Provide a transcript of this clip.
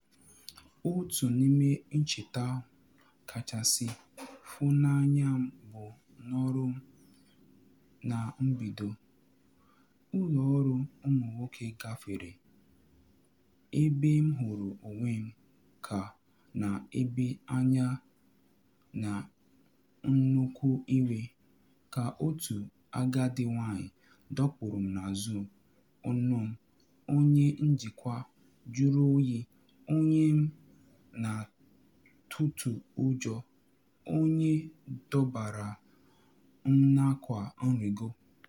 Otu n’ime ncheta m kachasị foo n’anya m bụ n’ọrụ m na mbido, ụlọ ọrụ ụmụ nwoke gafere, ebe m hụrụ onwe m ka na ebe anya na nnukwu iwe, ka otu agadi nwanyị dọkpụrụ m n’azụ onu m - onye njikwa juru oyi onye m na atụtụ ụjọ - onye dọbara m n’akwa nrigo.